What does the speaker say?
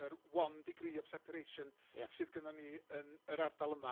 yr one degree of separation... ia. ...sydd gynnon ni yn yr ardal yma.